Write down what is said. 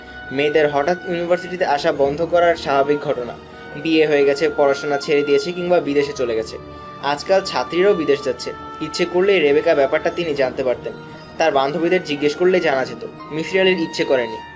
মেয়েদের হঠাৎ ইউনিভার্সিটিতে আসা বন্ধ করা স্বাভাবিক ঘটনা বিয়ে হয়ে গেছে পড়াশােনা ছেড়ে দিয়েছে কিংবা বিদেশে চলে গেছে আজকাল ছাত্রীরাও বিদেশ যাচ্ছে ইচ্ছে করলেই রেবেকার ব্যাপারটা তিনি জানতে পারতেন তার বান্ধবীদের জিজ্ঞেস করলেই জানা যেত মিসির আলির ইচ্ছে করে নি